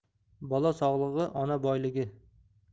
bola sog'ligi ona boyligi